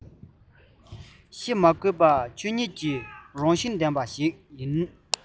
བཤད མ དགོས པར ཆོས ཉིད ཀྱི རང བཞིན ལྡན པ ཞིག ཡིན